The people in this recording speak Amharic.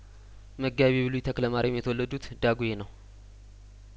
መጋቢ ብሉይ ተክለማሪያም የተወለዱት ዳጔ ነው